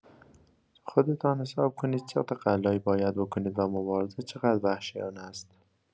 خودتان حساب کنید چه تقلایی باید بکنید و مبارزه چقدر وحشیانه است.